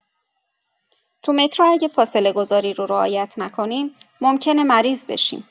تو مترو اگه فاصله‌گذاری رو رعایت نکنیم، ممکنه مریض بشیم.